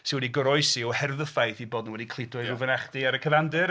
Sy wedi goroesi oherwydd y ffaith bod nhw wedi cludo i ryw fynachdy ar y cyfandir.